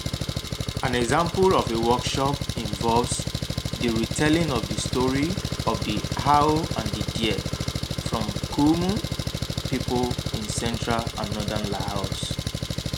An example of a workshop involves the retelling of the story of "The Owl and the Deer" from Kmhmu’ people in central and northern Laos.